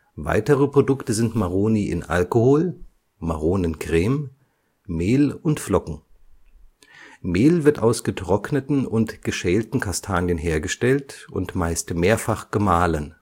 Weitere Produkte sind Maroni in Alkohol, Maronenkrem, Mehl und Flocken. Mehl wird aus getrockneten und geschälten Kastanien hergestellt und meist mehrfach gemahlen